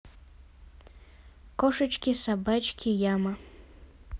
кошечки собачки яма